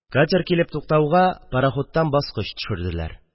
Катер килеп туктауга, пароходтан баскыч төшерделәр.